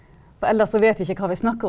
for ellers så vet vi ikke hva vi snakker om.